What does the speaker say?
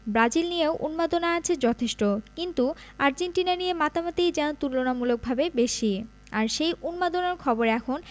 Brazil নিয়েও উন্মাদনা আছে যথেষ্ট কিন্তু আর্জেন্টিনা নিয়ে মাতামাতিই যেন তুলনামূলকভাবে বেশি আর সেই উন্মাদনার খবর এখন